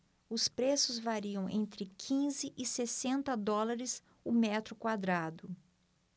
os preços variam entre quinze e sessenta dólares o metro quadrado